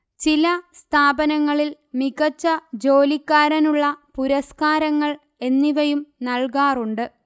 ചില സ്ഥാപനങ്ങളിൽ മികച്ച ജോലിക്കാരനുള്ള പുരസ്കാരങ്ങൾ എന്നിവയും നൽകാറുണ്ട്